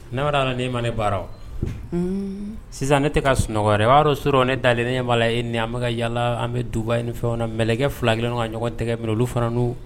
Ma la ne ma ne baara sisan ne tɛ ka sunɔgɔ b'a dɔn so ne da ne ɲɛ b'a la e ni an bɛka yalala an bɛ duba in fɛnw na nɛgɛkɛ fila kelen ka ɲɔgɔn tɛgɛ minɛ olu fana